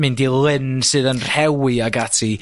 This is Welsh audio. mynd i lyn sydd yn rhewi ag ati...